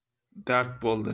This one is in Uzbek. dard bo'ldi